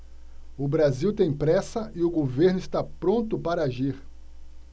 o brasil tem pressa e o governo está pronto para agir